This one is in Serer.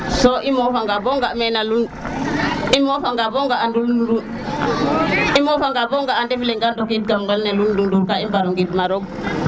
so i mofa nga bo ga men a lul i mofa nga bo ga men ndun mofa nga bo ga a ndef leng a fadid kam ngel ne lu ndundur ka i mbaro gid ma roog